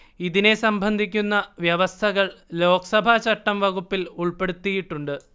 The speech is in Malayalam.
ഇതിനെ സംബന്ധിക്കുന്ന വ്യവസ്ഥകൾ ലോക്സഭാചട്ടം വകുപ്പിൽ ഉൾപ്പെടുത്തിയിട്ടുണ്ട്